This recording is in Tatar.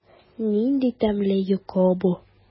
Нинди тәмле йокы бу!